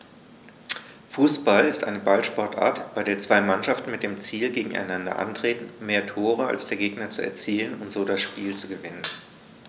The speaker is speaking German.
Fußball ist eine Ballsportart, bei der zwei Mannschaften mit dem Ziel gegeneinander antreten, mehr Tore als der Gegner zu erzielen und so das Spiel zu gewinnen.